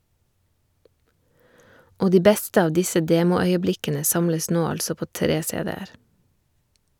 Og de beste av disse demoøyeblikkene samles nå altså på tre cd-er.